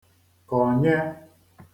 kọ̀nye